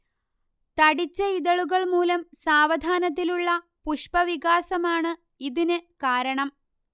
തടിച്ച ഇതളുകൾ മൂലം സാവധാനത്തിലുള്ള പുഷ്പവികാസമാണ് ഇതിന് കാരണം